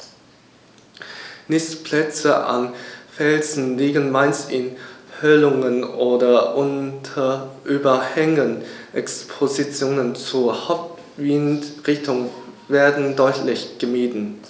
Nistplätze an Felsen liegen meist in Höhlungen oder unter Überhängen, Expositionen zur Hauptwindrichtung werden deutlich gemieden.